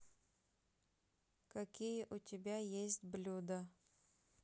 какие у тебя есть блюда